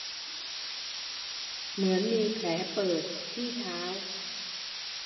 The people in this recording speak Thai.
เหมือนมีแผลเปิดที่เท้า